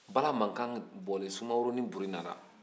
bala mankan bɔlen sumaworo ni boli nana